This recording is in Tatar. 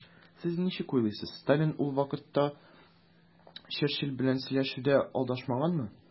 Сез ничек уйлыйсыз, Сталин ул вакытта Черчилль белән сөйләшүдә алдашмаганмы?